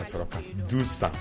A'a sɔrɔ ka du zan